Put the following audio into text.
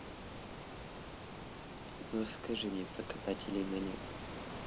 ну расскажи мне про копателей монет